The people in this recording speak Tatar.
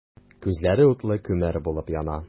Күзләре утлы күмер булып яна.